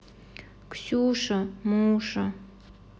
ксюша муша